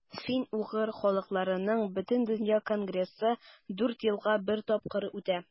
Фин-угыр халыкларының Бөтендөнья конгрессы дүрт елга бер тапкыр үтә.